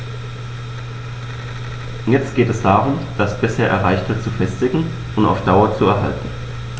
Jetzt geht es darum, das bisher Erreichte zu festigen und auf Dauer zu erhalten.